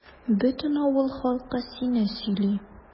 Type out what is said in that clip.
Бөтен авыл халкы сине сөйли.